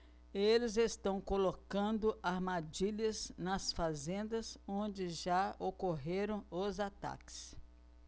eles estão colocando armadilhas nas fazendas onde já ocorreram os ataques